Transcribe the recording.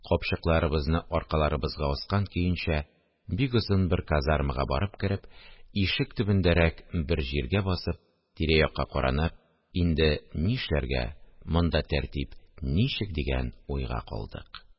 Капчыкларыбызны аркаларыбызга аскан көенчә, бик озын бер казармага барып кереп, ишек төбендәрәк бер җиргә басып, тирә-якка каранып, «Инде нишләргә, монда тәртип ничек?» дигән уйга калдык